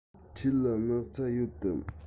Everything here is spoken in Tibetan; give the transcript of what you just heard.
ཁྱེད ལ སྣག ཚ ཡོད དམ